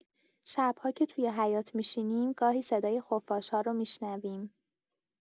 شب‌ها که توی حیاط می‌شینیم، گاهی صدای خفاش‌ها رو هم می‌شنویم.